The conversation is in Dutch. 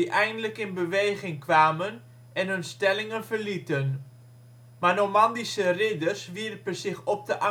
eindelijk in beweging kwamen en hun stellingen verlieten. Maar Normandische ridders wierpen zich op de Angelsaksische